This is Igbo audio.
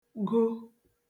go